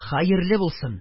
Хәерле булсын,